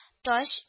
Таҗ